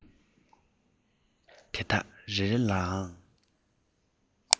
དེ དག རེ རེ ལའང